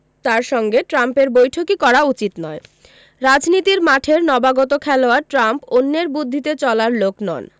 তাঁর সঙ্গে ট্রাম্পের বৈঠকই করা উচিত নয় রাজনীতির মাঠের নবাগত খেলোয়াড় ট্রাম্প অন্যের বুদ্ধিতে চলার লোক নন